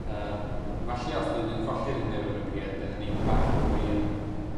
Yym. Falle os bydden ni'n colli'r Undeb Ewropîedd bydded ni bach yn fwy yym